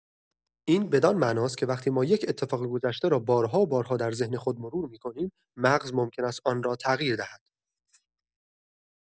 این بدان معناست که وقتی ما یک اتفاق گذشته را بارها و بارها در ذهن خود مرور می‌کنیم، مغز ممکن است آن را تغییر دهد.